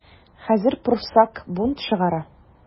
Хәзер пруссак бунт чыгара.